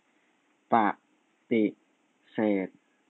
ปฏิเสธ